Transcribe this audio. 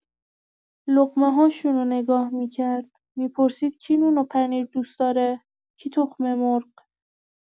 لقمه‌هاشونو نگاه می‌کرد، می‌پرسید کی نون و پنیر دوست داره، کی تخم‌مرغ.